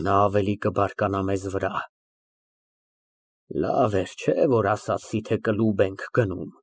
Նա ավելի կբարկանա մեզ վրա։ Լավ էր, չէ՞, որ ասացի, թե կլուբ ենք գնում։